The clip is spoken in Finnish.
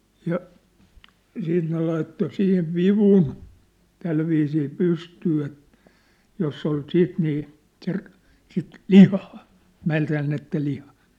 ja sitten ne laittoi siihen vivun tällä viisiin pystyyn että jossa oli sitten niin - sitä lihaa mädäntynyttä lihaa